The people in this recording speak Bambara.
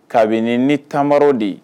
Kabini ni ntamaro de ye